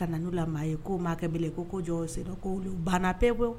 Ka na n'u la maa ye ko maakɛ' yen ko ko jɔ sera' banna pewu